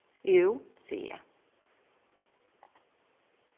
jú sigi eg